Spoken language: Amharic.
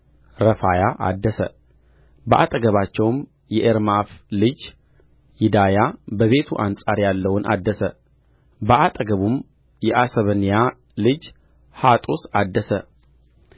ረፋያ አደሰ በአጠገባቸውም የኤርማፍ ልጅ ይዳያ በቤቱ አንጻር ያለውን አደሰ በአጠገቡም የአሰበንያ ልጅ ሐጡስ አደሰ